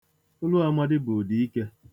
Olu Amadi ụdiike.